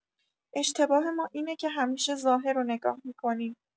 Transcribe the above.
اشتباه ما اینه که همیشه ظاهرو نگاه می‌کنیم.